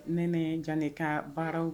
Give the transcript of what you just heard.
Nɛnɛ Janɛ ka baaraw